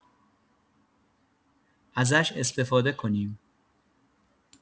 ازش استفاده کنیم.